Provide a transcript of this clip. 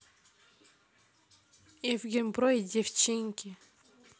евген бро и девченки